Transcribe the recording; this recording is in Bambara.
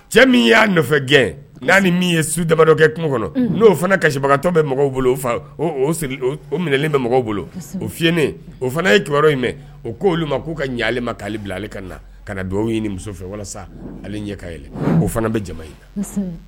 Cɛ min y'a nɔfɛ gɛn n'a ni min ye su damabadɔkɛ kungo kɔnɔ n'o fana kasibagatɔ bɛ mɔgɔw bolo o fa siri o minɛlen bɛ mɔgɔw bolo o fien o fana ye kiba in mɛn o k' olu ma k'u ka ɲaale ma k'ale bila ale ka na ka na dugawu ɲini muso fɛ walasa ale ɲɛ kaɛlɛn o fana bɛ jama in na